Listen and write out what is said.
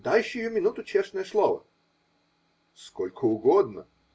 -- Дай сию минуту честное слово. -- Сколько угодно.